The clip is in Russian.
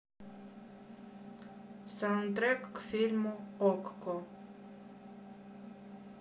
саундтрек к фильму okko